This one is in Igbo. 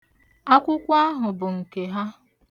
Akwụkwọ ahụ bụ nke ha.